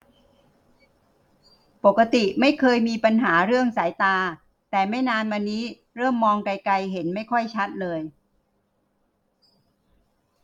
ปกติไม่เคยมีปัญหาเรื่องสายตาแต่ไม่นานมานี้เริ่มมองไกลไกลเห็นไม่ค่อยชัดเลย